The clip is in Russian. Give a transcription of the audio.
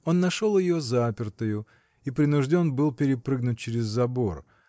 Он нашел ее запертою и принужден был перепрыгнуть через забор.